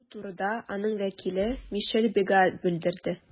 Бу турыда аның вәкиле Мишель Бега белдерде.